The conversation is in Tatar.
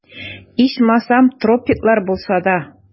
Ичмасам, тропиклар булса да...